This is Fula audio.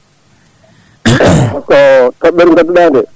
ko toɓɓere gadduɗa nde